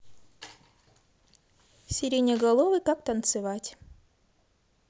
сиреноголовый как танцевать